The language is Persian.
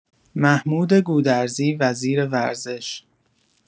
محمود گودرزی وزیر ورزش